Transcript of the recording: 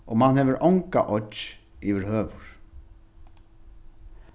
og mann hevur onga oyggj yvirhøvur